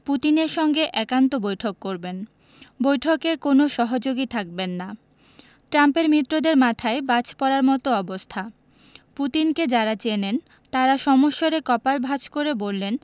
পুতিনের সঙ্গে একান্ত বৈঠক করবেন বৈঠকে কোনো সহযোগী থাকবেন না ট্রাম্পের মিত্রদের মাথায় বাজ পড়ার মতো অবস্থা পুতিনকে যাঁরা চেনেন তাঁরা সমস্বরে কপাল ভাঁজ করে বললেন